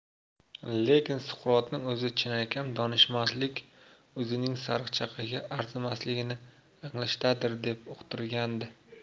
lekin suqrotning o'zi chinakam donishmandlik o'zining sariqchaqaga arzimasligini anglashdadir deb uqtirgandi